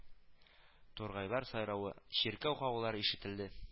Тургайлар сайравы, чиркәү кагулары ишетелде